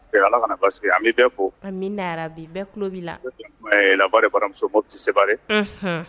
Ala kana basi kɛ yen . Amina . An bi bɛɛ fo , an bɛɛ kulo bi la . c'est la voix de baramouso Mopti Sevare